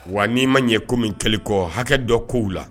Wa n'i ma ɲɛ ko min kɛlɛ kɔ hakɛ dɔ k kou la